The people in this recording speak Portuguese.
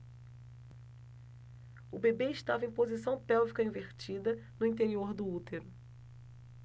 o bebê estava em posição pélvica invertida no interior do útero